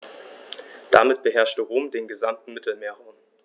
Damit beherrschte Rom den gesamten Mittelmeerraum.